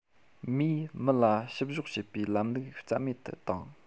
མིས མི ལ བཤུ གཞོག བྱེད པའི ལམ ལུགས རྩ མེད དུ བཏང